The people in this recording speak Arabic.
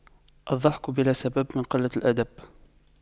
الضحك بلا سبب من قلة الأدب